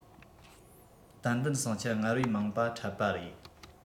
ཏན ཏན ཟིང ཆ སྔར བས མང བ འཕྲད པ རེད